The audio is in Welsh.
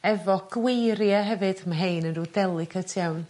efo gweirie hefyd ma' 'hein yn ryw delicate iawn.